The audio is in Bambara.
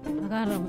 N